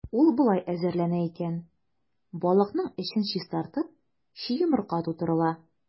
Ул болай әзерләнә икән: балыкның эчен чистартып, чи йомырка тутырыла.